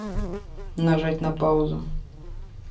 нажать на паузу